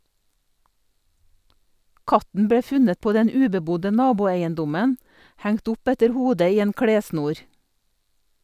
Katten ble funnet på den ubebodde naboeiendommen, hengt opp etter hodet i en klessnor.